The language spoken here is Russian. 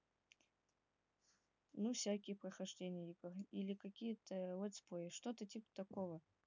ну всякие прохождения игр или какие то летсплей что то типа такого